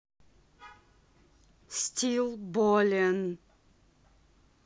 still болен